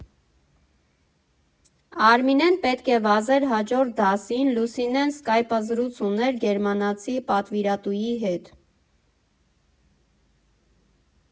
Արմինեն պետք է վազեր հաջորդ դասին, Լուսինեն սկայպազրույց ուներ գերմանացի պատվիրատուի հետ։